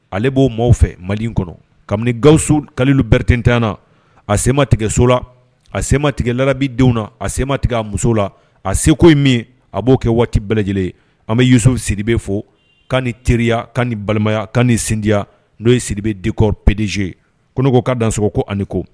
Ale b'o maaw fɛ mali in kɔnɔ kabini gaso kalu beretetanana a sematigɛso la a sema tigɛ labi denw na a sema tigɛ a muso la a seko min a b'o kɛ waati bɛɛ lajɛlen an bɛw siribe fɔ kan ni teriya kan ni balimaya kan ni sindiyaya n'o ye siribe dik pezo ye ko k ka dan s sɔrɔ ko ani ko